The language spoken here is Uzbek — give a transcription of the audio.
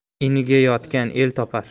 inida yotganni el topar